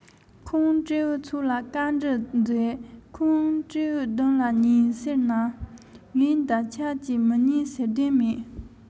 ཁོང སྤྲེའུའི ཚོགས ལ བཀའ འདྲི མཛོད ཁོང སྤྲེའུས སྡུམ ལ ཉན ཟེར ན ངེད འདབ ཆགས ཀྱིས མི ཉན ཟེར དོན མེད